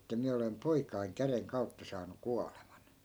että minä olen poikani käden kautta saanut kuoleman